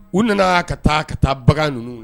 U nana ka taa ka taa bagan ninnu